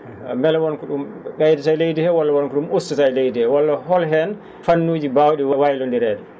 mbele wonko ?um ?eydata e leydi hee walla won ko ?um ustata e leydi hee walla holhen fannuuji mbaaw?i waylonndireede